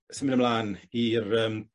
symud ymlan i'r yym